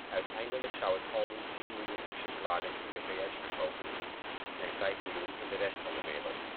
Uiteindelijk zou het album tien miljoen exemplaren in de V.S. verkopen en vijf miljoen in de rest van de wereld